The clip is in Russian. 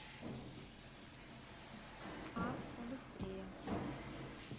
а побыстрее